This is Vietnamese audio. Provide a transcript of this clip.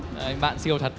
bạn siêu thật